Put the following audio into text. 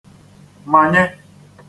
manye